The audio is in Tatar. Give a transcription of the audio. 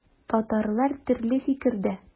Татарлар төрле фикердә.